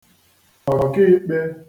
ọ̀kiīkpẹ̄